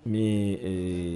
Min